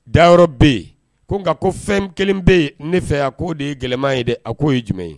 Dayɔrɔ bɛ yen ko nka ko fɛn kelen bɛ yen ne fɛ yan k' oo de ye gɛlɛyaman ye dɛ a k'o ye jumɛn ye